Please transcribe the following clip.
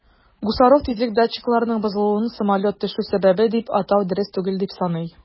Гусаров тизлек датчикларының бозлануын самолет төшү сәбәбе дип атау дөрес түгел дип саный.